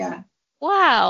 Ia ia.